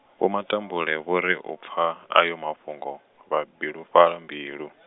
Vho Matambule vho ri u pfa, ayo mafhungo, vha bilufhala mbilu .